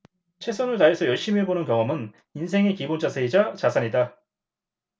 최선을 다해서 열심히 해보는 경험은 인생의 기본 자세이자 자산이다